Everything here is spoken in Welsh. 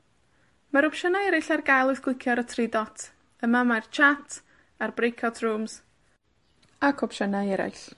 Mae'r opsiynau eryll ar ga'l wrth glicio ar y tri dot, yma mae'r Chat, a'r Brake Out Rooms, ac opsiynau eraill.